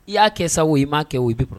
I y'a kɛ sago i m' kɛ o i bɛ